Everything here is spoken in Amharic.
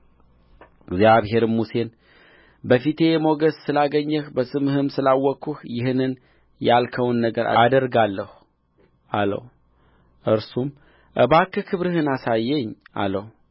እግዚአብሔርም ሙሴን በፊቴ ሞገስ ስላገኘህ በስምህም ስላወቅሁህ ይህን ያልኸውን ነገር አደርጋለሁ አለው እርሱም እባክህ ክብርህን አሳየኝ አለ